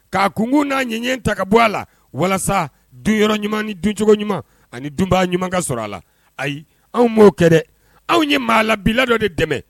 K'a kunkun n'a ɲɛnɲɛn ta ka bɔ a la walasa dun yɔrɔ ɲuman ni duncogo ɲuman ani dunbaa ɲuman ka sɔrɔ a la, ayi , anw m'o kɛ dɛ, anw ye maa labila dɔ de dɛmɛ.